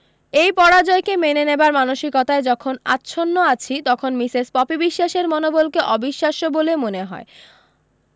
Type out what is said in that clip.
এই পরাজয়কে মেনে নেবার মানসিকতায় যখন আচ্ছন্ন আছি তখন মিসেস পপি বিশ্বাসের মনোবলকে অবিশ্বাস্য বলে মনে হয়